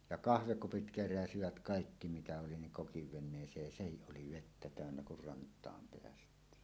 ja kahvikupit keräsivät kaikki mitä oli niin kokin veneeseen ja sehän oli vettä täynnä kun rantaan päästiin